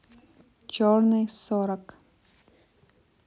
черный сорок